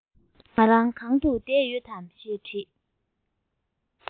ང རང གང ན བསྡད ཡོད དམ ཞེས དྲིས